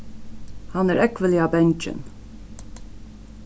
hann er ógvuliga bangin